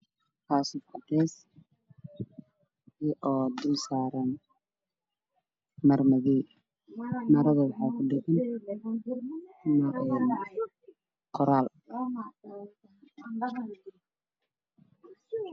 Waxaa ii muuqda kartoon midow oo saaran dastuurka sii hayay jaalo waana madow